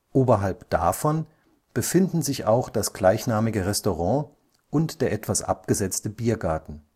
Oberhalb davon befinden sich auch das gleichnamige Restaurant und der etwas abgesetzte Biergarten